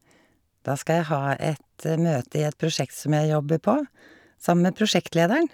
Da skal jeg ha et møte i et prosjekt som jeg jobber på, sammen med prosjektlederen.